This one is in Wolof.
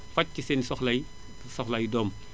faj si seen i soxlay soxlay doom